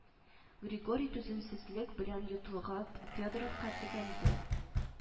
Григорий түземсезлек белән йотлыгып федоровка текәлде